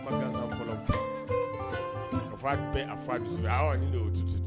Fɔlɔ a fa bɛɛ a fa ye